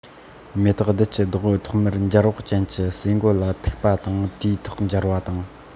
མེ ཏོག རྡུལ གྱི རྡོག བུ ཐོག མར འབྱར བག ཅན གྱི ཟེ མགོ ལ ཐུག པ དང དེའི ཐོག འབྱར བ དང